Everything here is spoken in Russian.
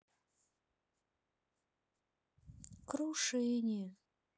крушение